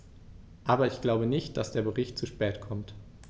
Aber ich glaube nicht, dass der Bericht zu spät kommt.